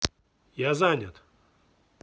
я занят